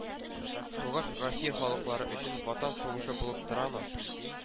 “сугыш россия халыклары өчен ватан сугышы булып торамы?”